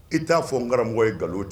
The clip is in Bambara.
I t'a fɔ n karamɔgɔ ye nkalon